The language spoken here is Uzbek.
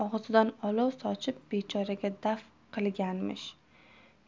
og'zidan olov sochib bechoraga daf qilganmish